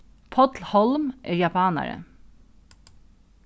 páll holm er japanari